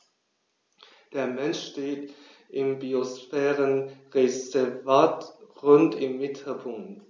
Der Mensch steht im Biosphärenreservat Rhön im Mittelpunkt.